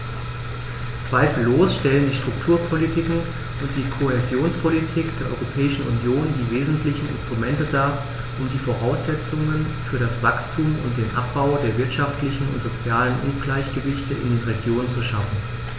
Zweifellos stellen die Strukturpolitiken und die Kohäsionspolitik der Europäischen Union die wesentlichen Instrumente dar, um die Voraussetzungen für das Wachstum und den Abbau der wirtschaftlichen und sozialen Ungleichgewichte in den Regionen zu schaffen.